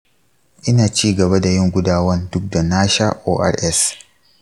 ina cigaba dayin gudawan duk da nasha ors.